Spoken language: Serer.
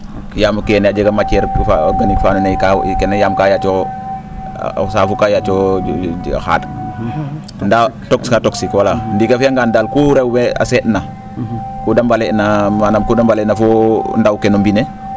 yaam kene a jega matiere organique faa andoona yee kaa kene yaam kaa yaaco saafu kaa yaaco xaa? ndaa kaa toxique wala ndiiki a fiyangaan daal ku rew we a see? na kuu da balaie na manaan kuu da balaie na fo ndaw ke no mbind ne